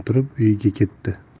turib uyiga ketdi